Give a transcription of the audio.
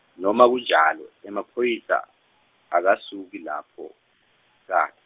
noma kunjalo, emaphoyisa, akesuki lapho, ka.